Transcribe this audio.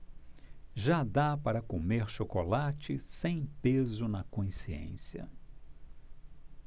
já dá para comer chocolate sem peso na consciência